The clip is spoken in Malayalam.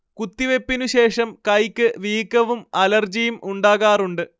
കുത്തിവെപ്പിനു ശേഷം കൈക്ക് വീക്കവും അലർജിയും ഉണ്ടാകാറുണ്ട്